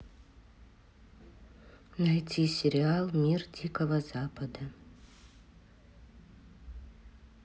найти сериал мир дикого запада